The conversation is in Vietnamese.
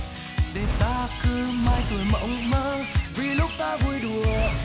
để ta cứ mãi tuổi mộng mơ vì lúc ta vui đùa